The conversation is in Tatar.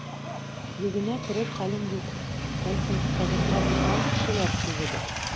Йөгенә керер хәлем юк, бәлкем, советка дошман кешеләр сүзедер.